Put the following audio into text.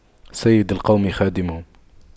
سيد القوم خادمهم